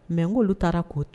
Mɛ n'olu taara k'o to